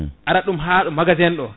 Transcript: araɗum ha ɗo magasin ɗo